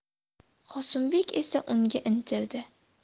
qosimbek esa unga intildi